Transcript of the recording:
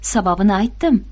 sababini aytdim